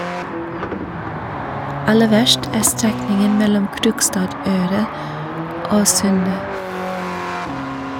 Aller verst er strekningen mellom Krokstadøra og Sunde.